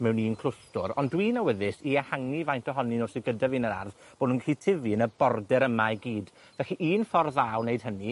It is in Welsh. mewn un clwstwr, ond dwi'n awyddus i ehangu faint ohonyn nw sy gyda fi yn yr ardd, bo' nw'n gellu tyfu yn y border yma i gyd. Felly, un ffordd dda o wneud hynny